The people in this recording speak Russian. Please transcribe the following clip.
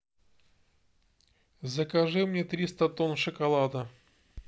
закажи мне триста тонн шоколада